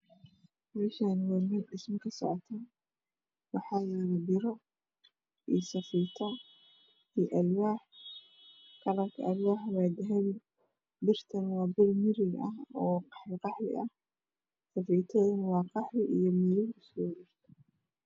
Meeshaani waa meel dhismo ka socoto waxaa yaalo biro iyo safiito iyo alwaax. Kalarka alwaaxa waa dahabi, birtuna waa bir mirir ah oo qaxwi ah, safiitaduna waa qaxwi iyo mirir isku jirta.